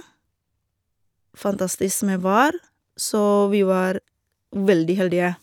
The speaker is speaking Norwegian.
Fanastisk med vær, så vi var veldig heldige.